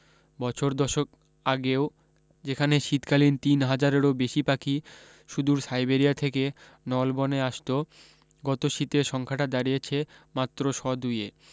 বছর দশক আগেও যেখানে শীতকালে তিন হাজারেরও বেশী পাখি সুদূর সাইবেরিয়া থেকে নলবনে আসত গত শীতে সংখ্যাটা দাঁড়িয়েছে মাত্র শদুইয়ে